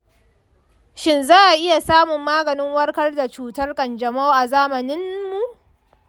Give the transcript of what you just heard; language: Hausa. shin za a iya samun maganin warkar da cutar kanjamau a zamaninmu?